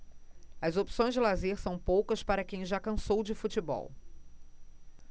as opções de lazer são poucas para quem já cansou de futebol